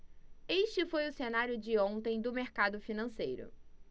este foi o cenário de ontem do mercado financeiro